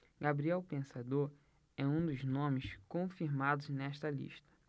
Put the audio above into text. gabriel o pensador é um dos nomes confirmados nesta lista